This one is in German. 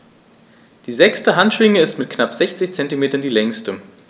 Die sechste Handschwinge ist mit knapp 60 cm die längste.